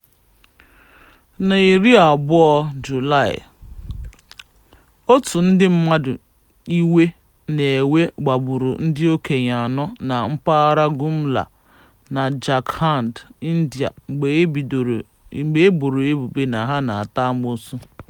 Na 20 Julaị, otu ndị mmadụ iwe na-ewe gbagburu ndị okenye anọ na Mpaghara Gumla nke Jharkhand, India mgbe e boro ha ebubo na ha na-ata amoosu.